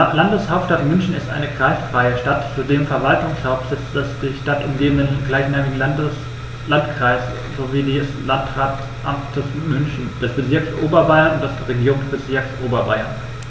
Die Landeshauptstadt München ist eine kreisfreie Stadt, zudem Verwaltungssitz des die Stadt umgebenden gleichnamigen Landkreises sowie des Landratsamtes München, des Bezirks Oberbayern und des Regierungsbezirks Oberbayern.